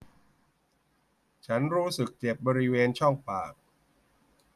ฉันรู้สึกเจ็บบริเวณช่องปาก